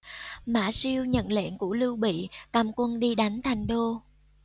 mã siêu nhận lệnh của lưu bị cầm quân đi đánh thành đô